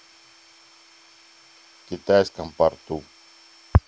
в китайском порту